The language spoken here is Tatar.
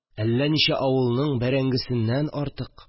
Әллә ничә авылның бәрәңгесеннән артык